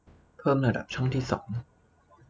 เพิ่มระดับช่องที่สอง